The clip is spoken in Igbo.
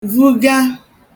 vuga